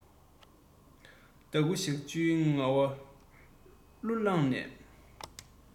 ཟླ དགུ ཞག བཅུའི ངལ བ ལྷུར བླངས ནས